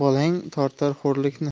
bolang tortar xo'rlikni